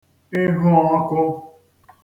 ịhụn ọkụ̄